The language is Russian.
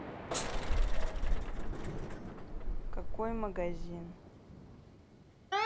какой магазин